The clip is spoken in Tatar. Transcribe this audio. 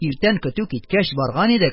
Иртән, көтү киткәч барган идек,